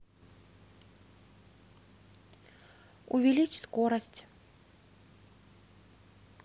увеличь скорость